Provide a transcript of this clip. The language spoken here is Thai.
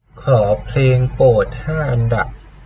ขอเพลงโปรดห้าอันดับ